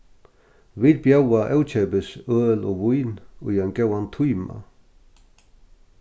vit bjóða ókeypis øl og vín í ein góðan tíma